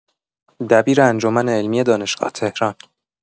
دبیر انجمن علمی دانشگاه تهران